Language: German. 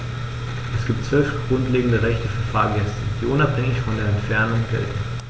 Es gibt 12 grundlegende Rechte für Fahrgäste, die unabhängig von der Entfernung gelten.